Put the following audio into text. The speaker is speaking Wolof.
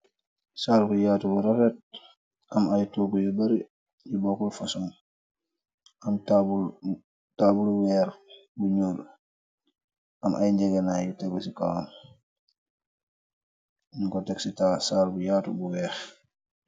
Saal bu yaatu bu raret, am ay toog yu bare ci bokkul fasum, am taabulu weer, bu ñur, am ay njegena yi tegesicorn go tegci, ta saal bu yaatu bu weex.